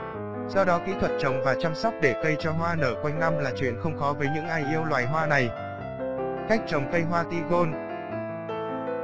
do đó kỹ thuật trồng và chăm sóc để cây cho hoa nở quanh năm là chuyện không khó với những ai yêu loài hoa này cách trồng cây hoa tigon